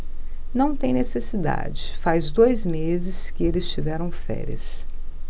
não tem necessidade faz dois meses que eles tiveram férias